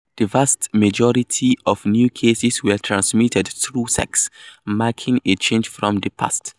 The vast majority of new cases were transmitted through sex, marking a change from the past.